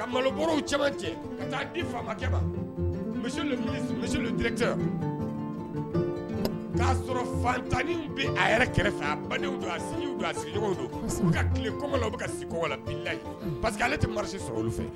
Ka malobɔrɔw caman cɛ, ka ta di faamakɛ ma, monsieur le ministre, monsieur le Directeur k'a sɔrɔ fatanni b' a yɛrɛ kɛrɛfɛ, a badenw dɔ, sinɲiw don, sigijɔngɔ, u bɛ ka si kɔngɔ la, U bɛ ka tile kɔgɔn, u bɛ si kɔgɔn bilahi parce que ale tɛ marché sɔrɔ olu fɛ.